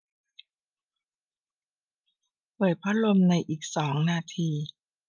เปิดพัดลมในอีกสองนาที